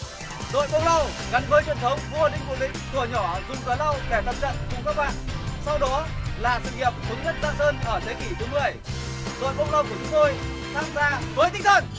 đội bông lau gắn với truyền thống vua đinh bộ lĩnh thủa nhỏ dùng cờ lau để tập trận cùng các bạn sau đó là sự nghiệp thống nhất đất nước ở thế kỷ thứ mười đội bông lau của chúng tôi tham gia với tinh thần